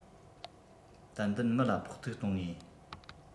ཏན ཏན མི ལ ཕོག ཐུག གཏོང ངེས